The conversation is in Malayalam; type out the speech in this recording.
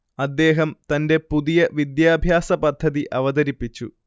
അദ്ദേഹം തന്റെ പുതിയ വിദ്യാഭ്യാസപദ്ധതി അവതരിപ്പിച്ചു